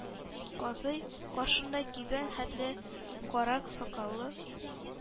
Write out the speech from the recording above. Казый, каршында кибән хәтле кара сакаллы